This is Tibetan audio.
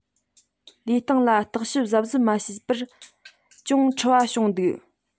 ལས སྟངས ལ བརྟག དཔྱད གཟབ གཟབ མ བྱས པས ཅུང འཁྲུལ བ བྱུང འདུག